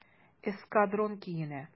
"эскадрон" көенә.